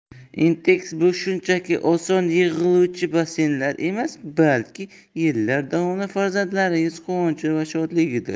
intex bu shunchaki oson yig'iluvchi basseynlar emas balki yillar davomida farzandlaringiz quvonchi va shodligidir